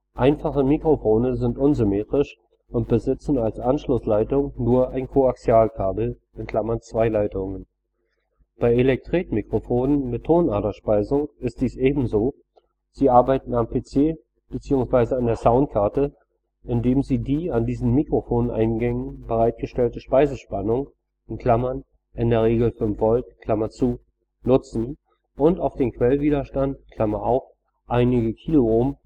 Einfache Mikrofone sind unsymmetrisch und besitzen als Anschlussleitung nur ein Koaxialkabel (2 Leitungen). Bei Elektretmikrofonen mit Tonaderspeisung ist dies ebenso - sie arbeiten am PC / an der Soundkarte, indem sie die an diesen Mikrofoneingängen bereitgestellte Speisespannung (in der Regel 5V) nutzen und auf den Quellwiderstand (einige Kiloohm